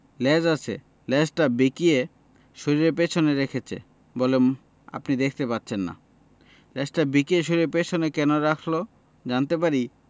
লেজ আছে লেজটা বেঁকিয়ে শরীরের পেছনে রেখেছে বলে আপনি দেখতে পাচ্ছেন না লেজটা বেঁকিয়ে শরীরের পেছনে কেন রাখল জানতে পারি